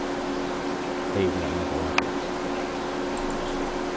hevði tú eina góða ferð